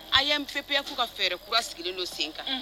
A ye' nppiya fo ka fɛɛrɛ kura sigilen don sen kan